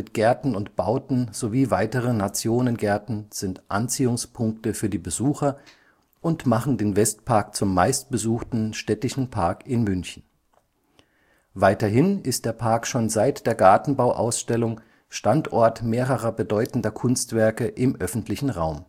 Gärten und Bauten sowie weitere Nationengärten sind Anziehungspunkte für die Besucher und machen den Westpark zum meistbesuchten städtischen Park in München. Weiterhin ist der Park schon seit der Gartenbau-Ausstellung Standort mehrerer bedeutender Kunstwerke im öffentlichen Raum